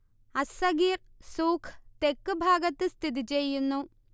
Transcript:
അസ്സഗീർ സൂഖ് തെക്ക് ഭാഗത്ത് സ്ഥിതി ചെയ്യുന്നു